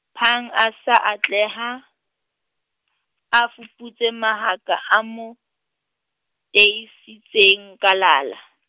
bang a sa atleha, a fuputse mabaka, a mo teisitseng kalala.